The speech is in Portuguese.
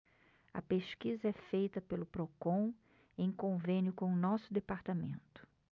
a pesquisa é feita pelo procon em convênio com o diese